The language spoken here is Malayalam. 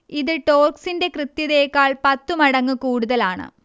ഇത് ടോർക്സിന്റെ കൃത്യതയേക്കാൾ പത്തു മടങ്ങ് കൂടുതലാണ്